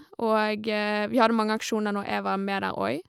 Og vi hadde mange aksjoner når jeg var med der òg.